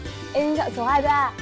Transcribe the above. em chọn số hai ba